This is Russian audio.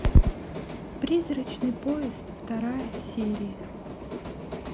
призрачный поезд вторая серия